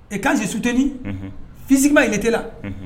Ɛ kanse sutini fisigi ma i ne tɛ la